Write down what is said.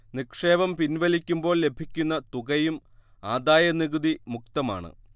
നിക്ഷേപം പിൻവലിക്കുമ്പോൾ ലഭിക്കുന്ന തുകയും ആദായനികുതി മുക്തമാണ്